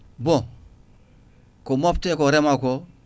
bon ko mofte ko reema ko